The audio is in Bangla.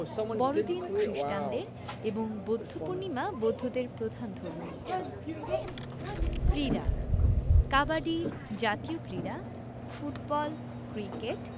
বড়দিন খ্রিস্টানদের এবং বৌদ্ধপূর্ণিমা বৌদ্ধদের প্রধান ধর্মীয় উৎসব ক্রীড়াঃ কাবাডি জাতীয় ক্রীড়া ফুটবল ক্রিকেট